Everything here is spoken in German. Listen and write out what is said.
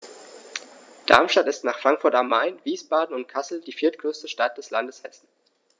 Darmstadt ist nach Frankfurt am Main, Wiesbaden und Kassel die viertgrößte Stadt des Landes Hessen